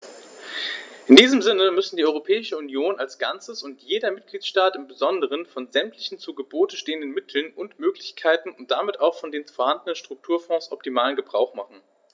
In diesem Sinne müssen die Europäische Union als Ganzes und jeder Mitgliedstaat im Besonderen von sämtlichen zu Gebote stehenden Mitteln und Möglichkeiten und damit auch von den vorhandenen Strukturfonds optimalen Gebrauch machen.